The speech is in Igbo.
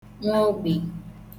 nwoogbè